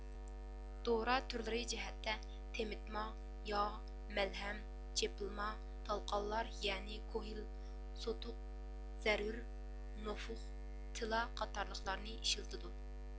دورا تۈرلىرى جەھەتتە تېمىتما ياغ مەلھەم چېپىلما تالقانلار يەنى كوھل سوتۇق زەرۈر نوفۇخ تىلا قاتارلىقلارنى ئىشلىتىدۇ